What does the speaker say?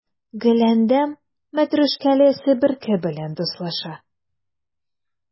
Гөләндәм мәтрүшкәле себерке белән дуслаша.